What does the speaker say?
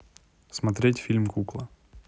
смотреть фильм кукла